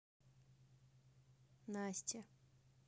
насте